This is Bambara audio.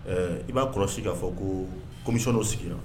Ɛɛ i b'a kɔlɔsi k'a fɔ ko komiw sigira